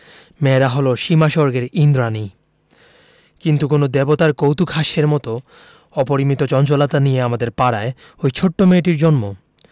মেয়েরা হল সীমাস্বর্গের ঈন্দ্রাণী কিন্তু কোন দেবতার কৌতূকহাস্যের মত অপরিমিত চঞ্চলতা নিয়ে আমাদের পাড়ায় ঐ ছোট মেয়েটির জন্ম